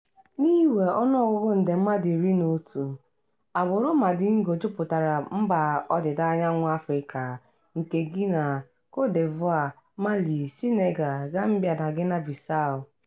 N'inwe ọnụọgụgụ nde mmadụ 11, agbụrụ Mandingo jupụtara Mba Ọdịdaanyanwụ Afrịka nke Guinea, Cote d'Ivoire, Mali, Senegal, Gambia na Guinea-Bissau.